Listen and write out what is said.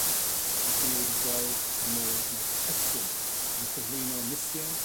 Ac 'yn ni wedi gweld y modd ma'r testun yn cyflwyno Nisien